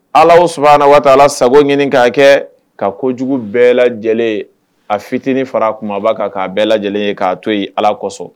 Allah usubahanahu wa taala sago ɲini k'a don, ka kojugu bɛɛ lajɛlen, a fitinin far'a kumaba kan k'a bɛɛ lajɛlen k'a to ye allah kosɔn